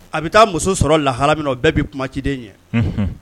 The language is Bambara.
A bɛ taa muso sɔrɔ lahara min o bɛɛ bɛ kuma ciden ɲɛ